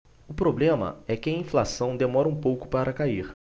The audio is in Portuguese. o problema é que a inflação demora um pouco para cair